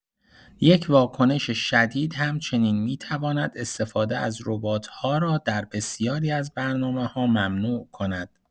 یک واکنش شدید همچنین می‌تواند استفاده از ربات‌ها را در بسیاری از برنامه‌‌ها ممنوع کند.